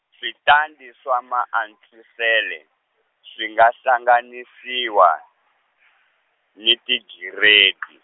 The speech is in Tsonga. switandati swa Maantswisele, swi nga hlanganisiwa, ni tigiredi.